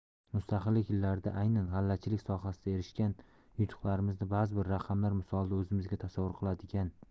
mustaqillik yillarida aynan g'allachilik sohasida erishgan yutuqlarimizni ba'zi bir raqamlar misolida o'zimizga tasavvur qiladigan